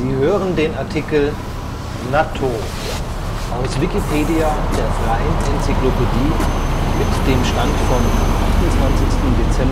hören den Artikel Nattō, aus Wikipedia, der freien Enzyklopädie. Mit dem Stand vom Der